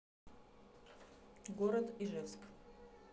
город ижевск